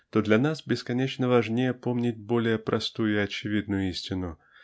то для нас бесконечно важнее помнить более простую и очевидную истину